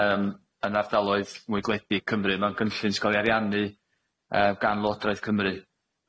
yym yn ardaloedd mwy gwledig Cymru ma'n gynllun s' ga'l 'i ariannu yy gan Lywodraeth Cymru,